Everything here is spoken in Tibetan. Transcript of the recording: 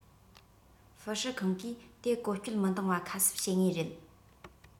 ཧྥུའུ ཧྲི ཁང གིས དེ བཀོལ སྤྱོད མི འདང བ ཁ གསབ བྱེད ངེས རེད